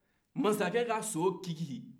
mansacɛ ka so kasi